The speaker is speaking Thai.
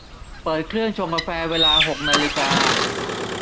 เปิดเครื่องชงกาแฟเวลาหกนาฬิกา